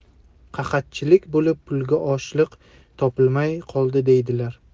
qahatchilik bo'lib pulga oshliq topilmay qoldi deydilar